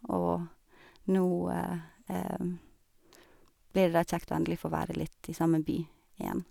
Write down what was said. Og nå blir det da kjekt å endelig få være litt i samme by igjen.